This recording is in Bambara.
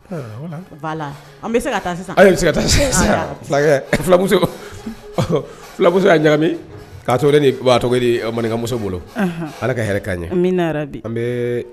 Voilà an bɛ se ka taa sisan fulamuso y'a ɲagami k'a to maninkamuso bolo Ala ka hɛrɛ kɛ an ye.